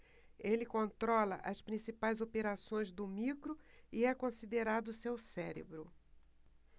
ele controla as principais operações do micro e é considerado seu cérebro